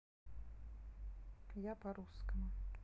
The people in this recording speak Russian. я по русскому